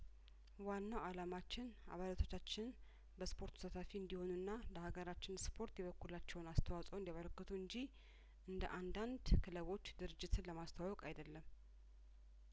ዋናው አላማችን አባላ ቶቻችን በስፖርቱ ተሳታፊ እንዲሆኑና ለሀገራችን ስፖርት የበኩላቸውን አስተዋጽኦ እንዲያበረክቱ እንጂ እንደአንዳንድ ክለቦች ድርጅትን ለማስተዋወቅ አይደለም